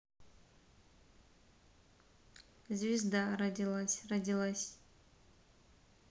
звезда родилась родилась